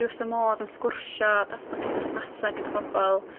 Dwi wrth fy modd yn sgwrsio datblygu perthnasa gyda bobol